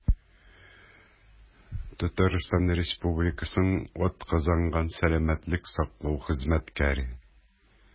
«татарстан республикасының атказанган сәламәтлек саклау хезмәткәре»